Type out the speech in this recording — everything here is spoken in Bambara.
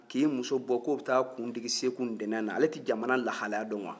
k'i muso bɔ k'o bɛ t'a kun digi segu ntɛnɛn na ale tɛ jamana lahalaya dɔn wa